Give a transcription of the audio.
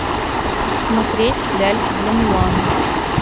смотреть ляльки для миланы